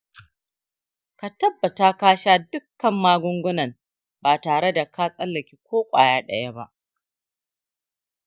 ka tabbata ka sha dukkan magungunan ba tare da ka tsallake ko kwaya daya ba.